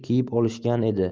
kiyib olishgan edi